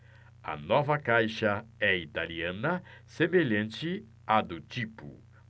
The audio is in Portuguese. a nova caixa é italiana semelhante à do tipo